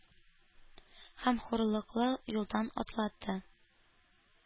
Нәм хурлыклы юлдан атлатты.